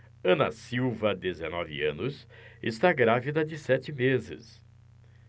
ana silva dezenove anos está grávida de sete meses